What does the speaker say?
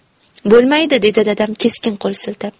bo'lmaydi dedi dadam keskin qo'l siltab